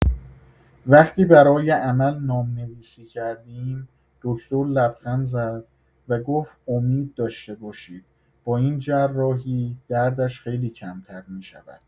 وقتی برای عمل نام‌نویسی کردیم، دکتر لبخند زد و گفت امید داشته باشید، با این جراحی دردش خیلی کمتر می‌شود.